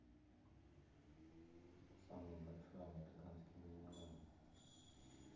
самый большой американский минивен